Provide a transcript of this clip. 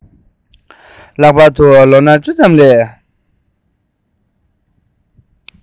ལྷག པར དུ ལོ ན བཅུ ཙམ ལས